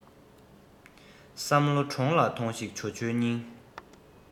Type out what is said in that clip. བསམ བློ འདྲོངས ལ ཐོངས ཤིག ཇོ ཇོའི སྙིང